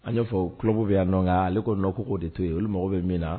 An y'a ɲɛfɔ fɔ kuw bɛ yan nɔ ale ko k' k' de to yen olu mago bɛ min na